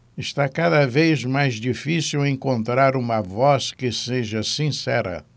está cada vez mais difícil encontrar uma voz que seja sincera